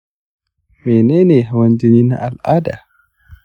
menene hawan jini na al'ada?